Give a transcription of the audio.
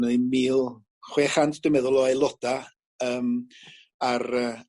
gynno ni mil chwe chant dwi'n meddwl o aeloda yym ar yy